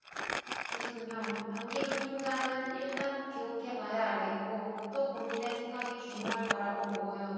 주승용 반기문 총장은 일단 귀국해 봐야 알겠고 또 본인의 생각이 중요할 거라고 보고요